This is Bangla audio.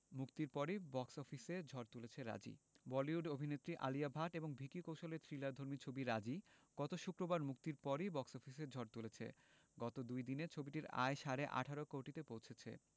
মুক্তির পরই বক্স অফিসে ঝড় তুলেছে রাজি বলিউড অভিনেত্রী আলিয়া ভাট এবং ভিকি কৌশলের থ্রিলারধর্মী ছবি রাজী গত শুক্রবার মুক্তির পরই বক্স অফিসে ঝড় তুলেছে গত দুই দিনে ছবিটির আয় সাড়ে ১৮ কোটিতে পৌঁছেছে